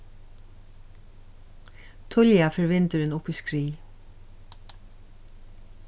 tíðliga fer vindurin upp í skrið